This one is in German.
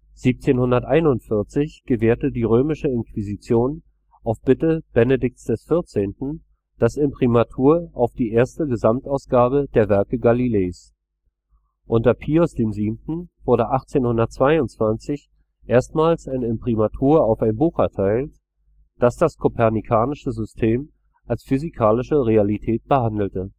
1741 gewährte die römische Inquisition auf Bitte Benedikts XIV. das Imprimatur auf die erste Gesamtausgabe der Werke Galileis. Unter Pius VII. wurde 1822 erstmals ein Imprimatur auf ein Buch erteilt, das das kopernikanische System als physikalische Realität behandelte